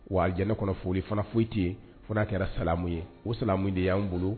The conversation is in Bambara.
Wa jɛnɛ ne kɔnɔ foli fana foyiti yen fo kɛra samu ye o samu de y'an bolo